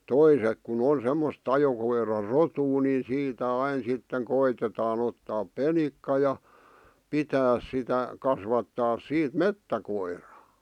toiset kun on semmoista ajokoirarotua niin siitä aina sitten koetetaan ottaa penikka ja pitää sitä kasvattaa siitä metsäkoira